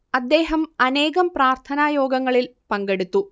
അദ്ദേഹം അനേകം പ്രാർത്ഥനാ യോഗങ്ങളിൽ പങ്കെടുത്തു